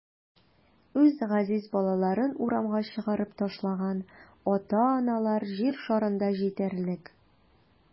Үз газиз балаларын урамга чыгарып ташлаган ата-аналар җир шарында җитәрлек.